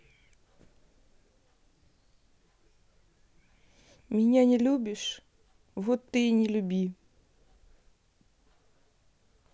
меня не любишь вот ты и не люби